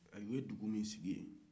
u ye dugu min sigi ye